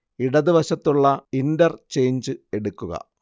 ഇടതുവശത്തുള്ള ഇന്റർചെയ്ഞ്ച് എടുക്കുക